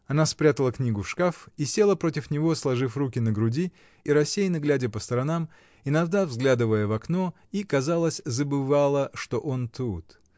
Она спрятала книгу в шкаф и села против него, сложив руки на груди и рассеянно глядя по сторонам, иногда взглядывая в окно, и, казалось, забывала, что он тут.